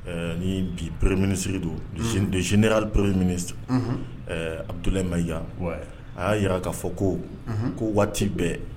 Ɛɛ nii bi premier ministre don unhun gén e général premier ministre unhun ɛɛ Abdoulaye Maiga ouai a y'a yira k'a fɔ ko unhun ko waati bɛɛ